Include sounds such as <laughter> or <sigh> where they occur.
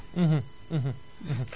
<hesitation> <hesitation> <hesitation> <hesitation> <hesitation> <hesitation>